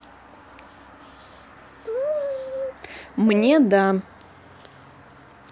мне да